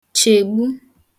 chegbù